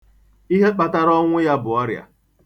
Ihe kpatara ọnwụ ya bụ ọrịa.